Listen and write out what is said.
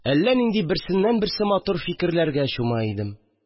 Әллә нинди берсеннән-берсе матур фикерләргә чума идем